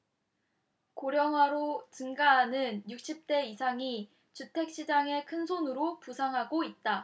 고령화로 증가하는 육십 대 이상이 주택 시장의 큰손으로 부상하고 있다